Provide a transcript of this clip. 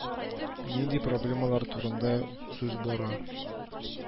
Нинди проблемалар турында сүз бара